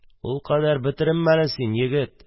Ул кадәр бетеренмә әле син, егет.